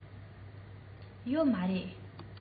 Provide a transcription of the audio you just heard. ཡོད མ རེད